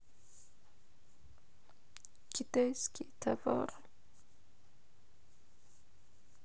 китайские товары